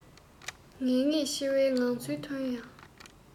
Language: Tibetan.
ངེས ངེས འཆི བའི ངང ཚུལ མཐོང ཡང